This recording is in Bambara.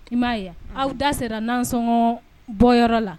I m'a aw da sera n'an sɔngɔ bɔyɔrɔ la